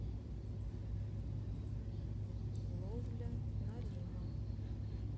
ловля налима